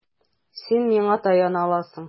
Син миңа таяна аласың.